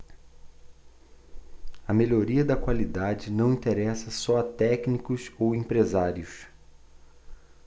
a melhoria da qualidade não interessa só a técnicos ou empresários